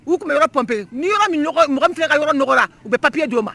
U tun bɛ yɔrɔ pppiye n'i min ka yɔrɔ nɔgɔ u bɛ papiye don o ma